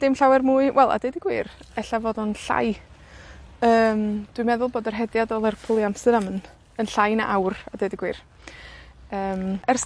Dim llawer mwy. Wel a deud y gwir, ella fod o'n llai, yym, dwi'n meddwl bod yr hediad o Lerpwl i Amsterdam yn yn llai na awr, a deud y gwir. Yym ers